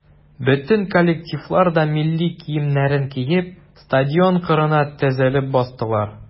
Дөрес, бездә печәнне урманда гына калдыралар, өйгә үк алып кайтмыйлар.